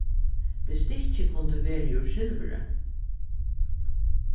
bestikkið kundi verið úr silvuri